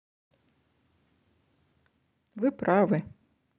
вы правы